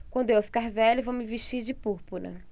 quando eu ficar velha vou me vestir de púrpura